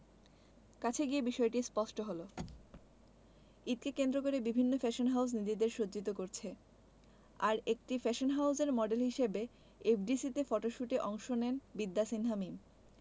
কাছে গিয়ে বিষয়টি স্পষ্ট হলো ঈদকে কেন্দ্র করে বিভিন্ন ফ্যাশন হাউজ নিজেদের সজ্জিত করছে আর একটি ফ্যাশন হাউজের মডেল হিসেবে এফডিসি তে ফটোশ্যুটে অংশ নেন বিদ্যা সিনহা মীম